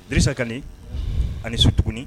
Bisa ka di ani su tuguni